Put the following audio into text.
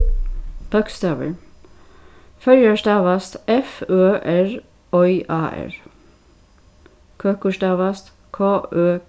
bókstavir føroyar stavast f ø r oy a r køkur stavast k ø